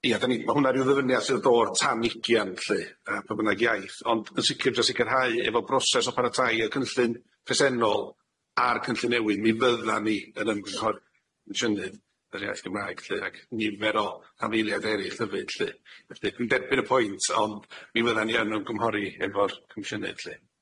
Ia dyn ni- ma' hwnna ryw ddyfyniad sydd o'r tanugian lly a pe' bynnag iaith ond yn sicir dros sicirhau efo broses o paratau y cynllun presennol a'r cynllun newydd mi fydda ni yn ymgymhor- comisiynydd yr iaith Gymraeg lly ac nifer o anfeiliaid eryll hefyd lly felly d- d- derbyn y pwynt ond mi fydda ni yn ymgymhori efo'r comishynnydd lly.